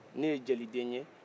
ne ye jeli den ye